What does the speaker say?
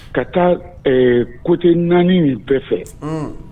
Ka taa kote naani min bɛɛ fɛ